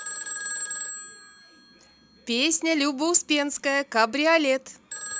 песня люба успенская кабриолет